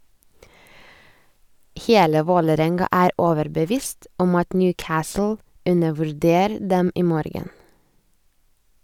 Hele Vålerenga er overbevist om at Newcastle undervurder dem i morgen.